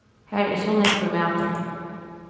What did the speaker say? har er so nógvur matur